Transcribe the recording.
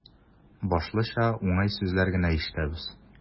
Башлыча, уңай сүзләр генә ишетәбез.